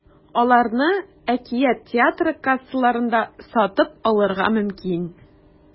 Аларны “Әкият” театры кассаларыннан сатып алырга мөмкин.